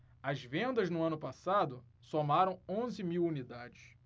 as vendas no ano passado somaram onze mil unidades